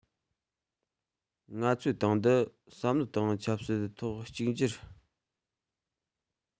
ང ཚོའི ཏང འདི བསམ བློ དང ཆབ སྲིད ཐོག གཅིག གྱུར